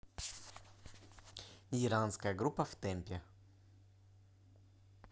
нидерландская группа в темпе